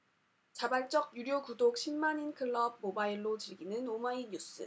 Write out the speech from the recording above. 자발적 유료 구독 십 만인클럽 모바일로 즐기는 오마이뉴스